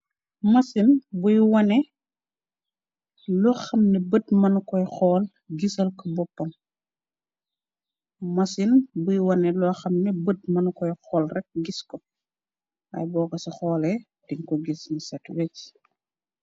Masin buy wane, loo xam ne, bët mu nut koo xool, gisal bööpam. Masin buy wane loo xam ne, bët manit koo xool rek gis ko. Waay boo ko si xool e, ding ko gis mu séét week.